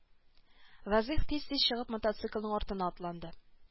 Вәзыйх тиз-тиз чыгып мотоциклның артына атланды